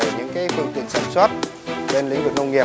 những cái phương tiện sản xuất trên lĩnh vực nông nghiệp